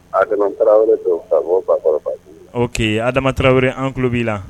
O adama tarawele wɛrɛ an tulo b'i la